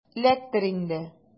Эләктер инде!